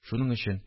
Шуның өчен